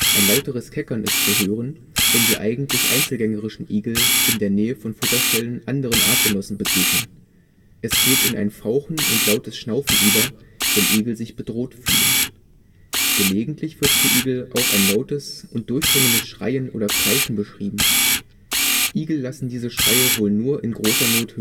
Ein lauteres Keckern ist zu hören, wenn die eigentlich einzelgängerischen Igel in der Nähe von Futterstellen anderen Artgenossen begegnen. Es geht in ein Fauchen und lautes Schnaufen über, wenn Igel sich bedroht fühlen. Gelegentlich wird für Igel auch ein lautes und durchdringendes Schreien oder Kreischen beschrieben. Igel lassen diese Schreie wohl nur in großer Not